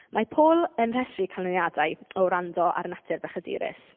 Mae Paul yn rhestru canlyniadau o wrando ar natur bechadurus.